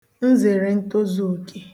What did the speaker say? nzèrèntozùòkè